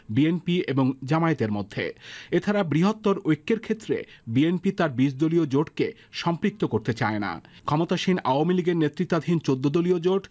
BNP এবং জামায়াতের মধ্যে এছাড়া বৃহত্তর ঐক্যের ক্ষেত্রে বিএনপি তার ২০ দলীয় জোটকে সম্পৃক্ত করতে চায় না ক্ষমতাসীন আওয়ামী লীগের নেতৃত্বাধীন ১৪ দলীয় জোট